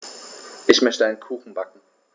Ich möchte einen Kuchen backen.